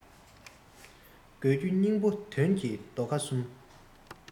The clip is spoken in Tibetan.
དགོས རྒྱུའི སྙིང པོ དོན གྱི རྡོ ཁ གསུམ